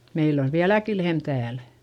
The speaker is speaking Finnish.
meillä on vieläkin lehmä täällä